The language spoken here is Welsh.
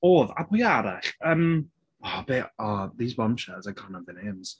Oedd. A pwy arall? Yym o be... O these bombshells I can't remember their names.